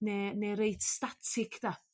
ne' ne' reit static 'da.